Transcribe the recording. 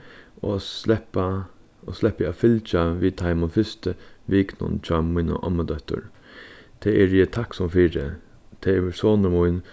og sleppa og sleppi at fylgja við teimum fyrstu vikunum hjá míni ommudóttur tað eri eg takksom fyri tað hevur sonur mín